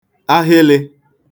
ahịlị̄